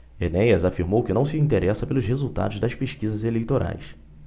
enéas afirmou que não se interessa pelos resultados das pesquisas eleitorais